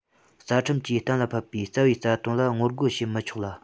རྩ ཁྲིམས ཀྱིས གཏན ལ ཕབ པའི རྩ བའི རྩ དོན ལ ངོ རྒོལ བྱེད མི ཆོག ལ